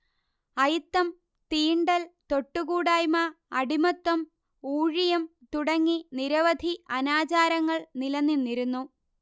അയിത്തം തീണ്ടൽ തൊട്ടുകൂടായ്മ അടിമത്തം ഊഴിയം തുടങ്ങി നിരവധി അനാചാരങ്ങൾ നിലനിന്നിരുന്നു